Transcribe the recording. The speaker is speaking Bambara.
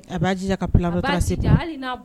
A b'a ji ka bila dɔ se